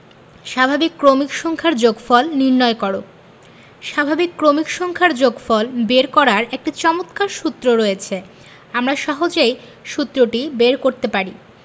স্বাভাবিক ক্রমিক সংখ্যার যোগফল নির্ণয় স্বাভাবিক ক্রমিক সংখ্যার যোগফল বের করার একটি চমৎকার সূত্র রয়েছে আমরা সহজেই সুত্রটি বের করতে পারি